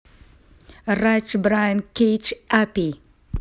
rich brian кейдж апи